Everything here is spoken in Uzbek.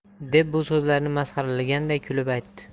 deb bu so'zlarni masxaralaganday kulib aytdi